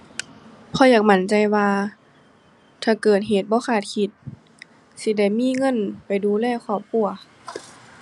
ข้อยอยากมั่นใจว่าถ้าเกิดเหตุบ่คาดคิด สิได้มีเงินไว้ดูแลครอบครัว